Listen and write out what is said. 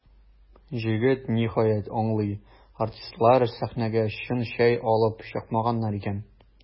Җегет, ниһаять, аңлый: артистлар сәхнәгә чын чәй алып чыкмаганнар икән.